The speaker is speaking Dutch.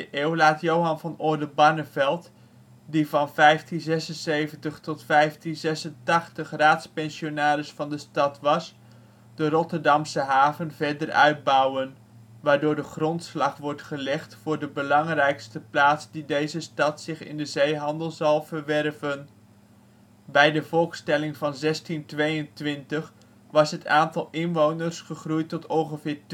eeuw laat Johan van Oldenbarnevelt, die van 1576 tot 1586 raadpensionaris van de stad was, de Rotterdamse haven verder uitbouwen, waardoor de grondslag wordt gelegd voor de belangrijke plaats die deze stad zich in de zeehandel zal verwerven. Bij de volkstelling van 1622 was het aantal inwoners gegroeid tot ongeveer